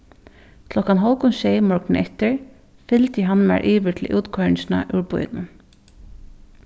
klokkan hálvgum sjey morgunin eftir fylgdi hann mær yvir til útkoyringina úr býnum